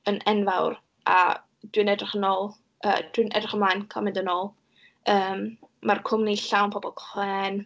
yn enfawr, a dwi'n edrych yn ôl, yy, dwi'n edrych ymlaen cael mynd yn ôl. Yym, ma'r cwmni llawn pobol clên.